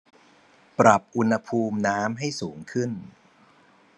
ปรับอุณหภูมิน้ำให้สูงขึ้น